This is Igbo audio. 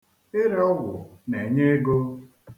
Ịre ọgwụ na-enye ego.